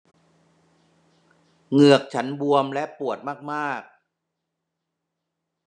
เหงือกฉันบวมและปวดมากมาก